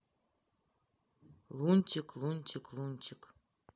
лунтик лунтик лунтик